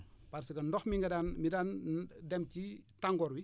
parce que ndox mi nga daan mi daan dem ci tàngoor wi